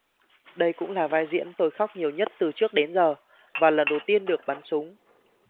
đây cũng là vai diễn tôi khóc nhiều nhất từ trước đến giờ và lần đầu tiên được bắn súng